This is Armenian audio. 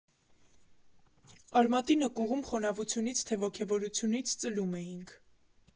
, «Արմատի» նկուղում խոնավությունից թե ոգևորությունից ծլում էինք։